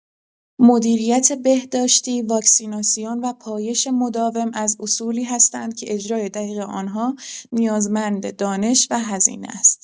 مدیریت بهداشتی، واکسیناسیون و پایش مداوم از اصولی هستند که اجرای دقیق آنها نیازمند دانش و هزینه است.